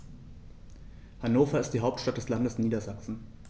Hannover ist die Hauptstadt des Landes Niedersachsen.